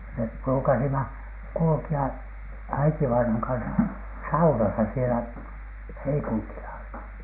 me ruukasimme kulkea äitivainajan kanssa saunassa siellä Heikuntilla